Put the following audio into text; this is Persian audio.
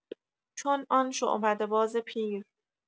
چون آن شعبده‌باز پیر